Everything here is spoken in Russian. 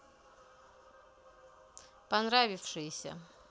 понравившиеся